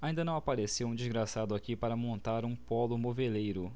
ainda não apareceu um desgraçado aqui para montar um pólo moveleiro